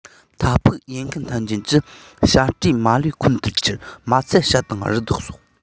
མཐའ ཕུགས ཡུལ ཁམས ཐམས ཅད ཀྱི བྱ སྤྲེལ མ ལུས འཁོན དུ གྱུར མ ཚད བྱ དང རི དྭགས སོགས